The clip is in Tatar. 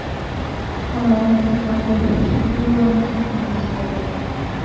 Аларның ифрат ярдәмчел булуларын сокланып сөйләделәр.